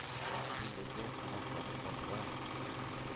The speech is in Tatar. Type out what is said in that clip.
Диңгездә корабларын батыра.